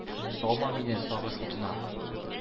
Салма мине сагыш утына.